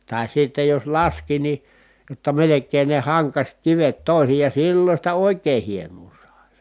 tai sitten jo laski niin jotta melkein ne hankasi kivet toisiaan silloin sitä oikein hienoa sai